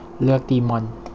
เลือกตีมอน